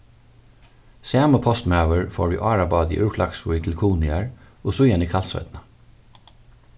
sami postmaður fór við árabáti úr klaksvík til kunoyar og síðan í kalsoynna